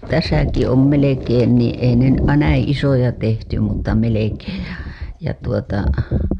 tässäkin on melkein niin ei ne näin isoja tehty mutta melkein ja ja tuota